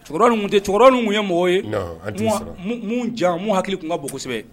Cɛkɔrɔbain tun ye mɔgɔw ye a hakili tun ka bɔsɛbɛ kosɛbɛ